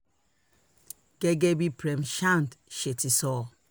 Gẹ́gẹ́ bí Prem Chand ṣe ti sọ: